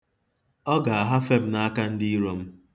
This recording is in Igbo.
Ọ ga-ahafe m n'aka ndị iro m.